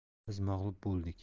biz mag'lub bo'ldik